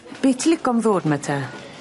Be' ti lico am ddod 'my te?